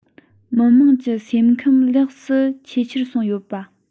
མི དམངས ཀྱི སེམས ཁམས ལེགས སུ ཆེས ཆེར སོང ཡོད པ